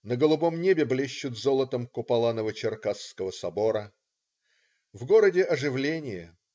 На голубом небе блещут золотом купола Новочеркасского собора. В городе - оживление